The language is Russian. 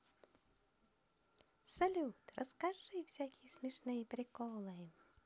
салют расскажи всякие смешные приколы